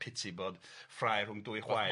piti bod ffrae rhwng dwy chwaer